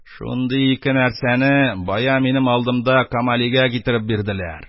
Шундый ике нәрсәне бая минем алдымда камалига китереп бирделәр.